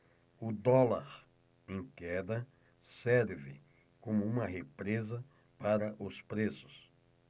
o dólar em queda serve como uma represa para os preços